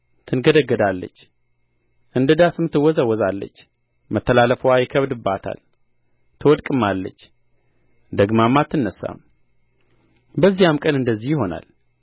ትንገዳገዳለች እንደ ዳስም ትወዛወዛለች መተላለፍዋ ይከብድባታል ትወድቅማለች ደግማም አትነሣም በዚያም ቀን እንደዚህ ይሆናል